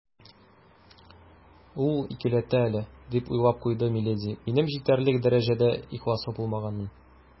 «ул икеләнә әле, - дип уйлап куйды миледи, - минем җитәрлек дәрәҗәдә ихласлы булмаганмын».